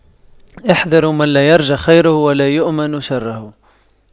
احذروا من لا يرجى خيره ولا يؤمن شره